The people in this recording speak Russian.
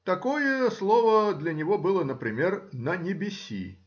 Такое слово для него было, например, на небеси.